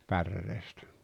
päreestä